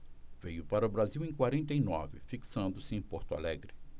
veio para o brasil em quarenta e nove fixando-se em porto alegre